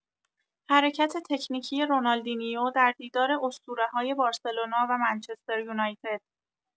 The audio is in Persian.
حرکت تکنیکی رونالدینیو در دیدار اسطوره‌های بارسلونا و منچستریونایتد